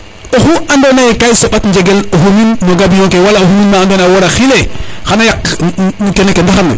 oxu ando naye ka i soɓat njegel o xumin no gambiyo ke wala o xumin ma ando naye a wora xile xana yaq kene ke ndaxar ne